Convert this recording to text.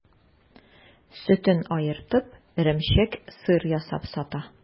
Сөтен аертып, эремчек, сыр ясап сата.